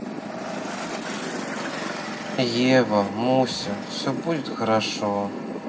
ева муся все будет хорошо